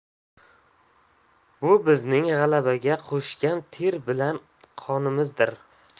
bu bizning g'alabaga qo'shgan ter bilan qonimizdir